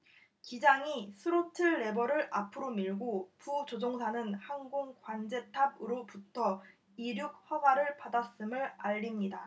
기장이 스로틀 레버를 앞으로 밀고 부조종사는 항공 관제탑으로부터 이륙 허가를 받았음을 알립니다